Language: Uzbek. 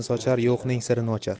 sochar yo'qning sirini ochar